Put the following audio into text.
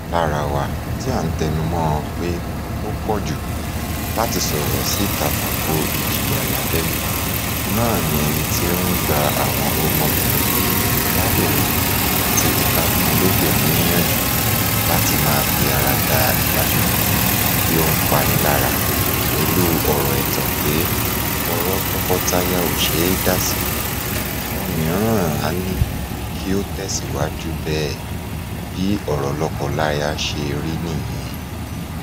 Lára wa tí à ń tẹnumọ́ ọn pé ó pọ̀jù [láti sọ̀rọ̀ síta tako ìjìyà Abẹ́lé] náà ni ẹni tí ó ń gba àwọn ọmọbìnrin, arábìnrin àti ìbátan lóbìnrin níyànjú láti máa fi ara da ìbáṣepọ̀ tí ó ń pani lára pẹ̀lú ọ̀rọ̀-ẹ̀tàn pé ọ̀rọ̀ tọkọtaya ò ṣe é dá sí, àwọn mìíràn á ní kí o tẹ̀síwajú bẹ́ẹ̀, bí ọ̀rọ̀ lọ́kọláya ṣe rí nìyẹn...